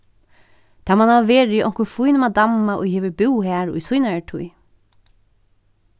tað man hava verið onkur fín madamma ið hevur búð har í sínari tíð